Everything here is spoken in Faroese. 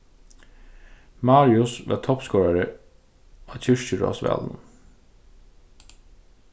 marius var toppskorari á kirkjuráðsvalinum